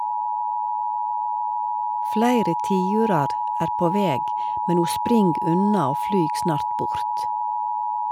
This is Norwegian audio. Fleire tiurar er på veg, men ho spring unna og flyg snart bort.